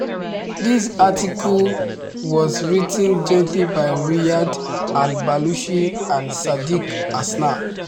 This article was written jointly by Riyadh Al Balushi and Sadeek Hasna.